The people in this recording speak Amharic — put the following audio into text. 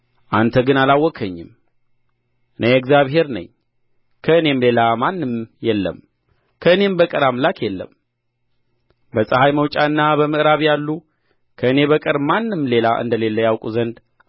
አንተ ግን አላወቅኸኝም እኔ እግዚአብሔር ነኝ ከእኔም ሌላ ማንም የለም ከእኔም በቀር አምላክ የለም በፀሐይ መውጫና በምዕራብ ያሉ ከእኔ በቀር ማንም ሌላ እንደሌለ ያውቁ ዘንድ